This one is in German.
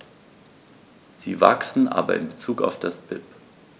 Sie wachsen, aber in bezug auf das BIP.